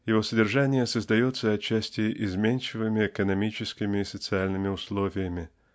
его содержание создается отчасти изменчивыми экономическими и социальными условиями.